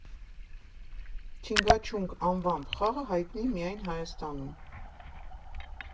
Չինգաչունգ անվամբ խաղը հայտնի է միայն Հայաստանում։